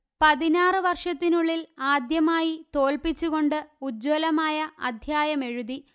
പതിനാറ് വർഷത്തിനുള്ളിൽ ആദ്യമായി തോല്പിച്ചു കൊണ്ട് ഉജ്വലമായ അധ്യായമെഴുതി